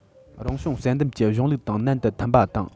རང བྱུང བསལ འདེམས ཀྱི གཞུང ལུགས དང ནན དུ མཐུན པ དང